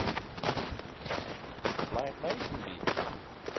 little latin би